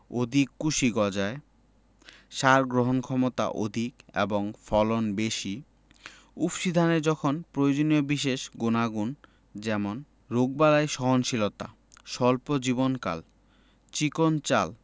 অধিক কুশি গজায় সার গ্রহণক্ষমতা অধিক এবং ফলন বেশি উফশী ধানে যখন প্রয়োজনীয় বিশেষ গুনাগুণ যেমন রোগবালাই সহনশীলতা স্বল্প জীবনকাল চিকন চাল